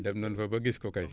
dem nan fa ba gis ko kay